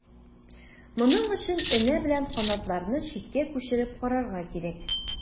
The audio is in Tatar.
Моның өчен энә белән канатларны читкә күчереп карарга кирәк.